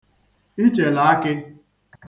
ichèlè akị